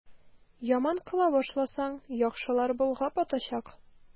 Яман кыла башласаң, яхшылар болгап атачак.